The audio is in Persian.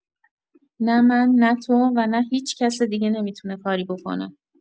نه من، نه تو و نه هیچ‌کس دیگه نمی‌تونه کاری بکنه.